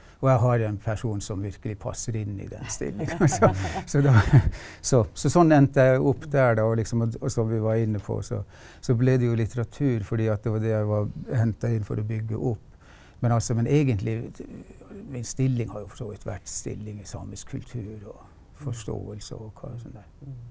og jeg har en person som virkelig passer inn i den stillinga så så da så så sånn endte jeg opp der da og liksom at og som vi var inne på så så ble det jo litteratur fordi at det var det jeg var henta inn for å bygge opp, men altså men egentlig min stilling har jo for så vidt vært stilling i samisk kultur og forståelse og hva som er.